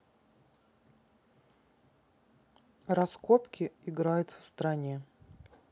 раскопки играют в стране